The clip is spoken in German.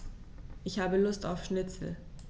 Ich habe Lust auf Schnitzel.